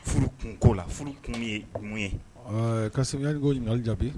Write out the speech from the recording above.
Furu kun ko la furu kun ye numu ye karikoli jaabi